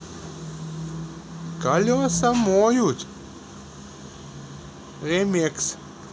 колеса моет morgenshtern ремикс